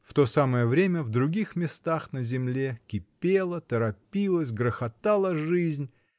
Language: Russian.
В то самое время в других местах на земле кипела, торопилась, грохотала жизнь